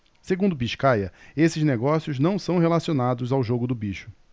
segundo biscaia esses negócios não são relacionados ao jogo do bicho